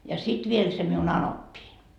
ja sitten vielä se minun anoppini